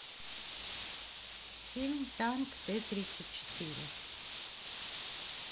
фильм танк т тридцать четыре